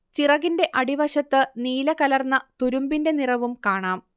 ചിറകിന്റെ അടിവശത്ത് നീലകലർന്ന തുരുമ്പിന്റെ നിറവും കാണാം